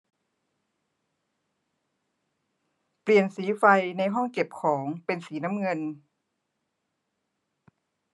เปลี่ยนสีไฟในห้องเก็บของเป็นสีน้ำเงิน